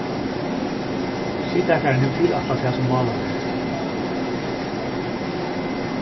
stigtakarin hevur tilætlað tað sum málað verður